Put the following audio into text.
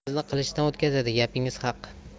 hammamizni qilichdan o'tkazadi gapingiz haq